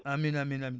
amiin amiin amiin